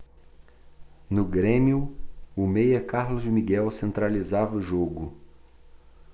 no grêmio o meia carlos miguel centralizava o jogo